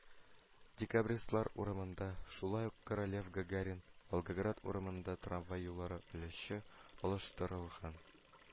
Декабристлар урамында, шулай ук Королев-Гагарин, Волгоград урамнарында трамвай юллары өлешчә алыштырылган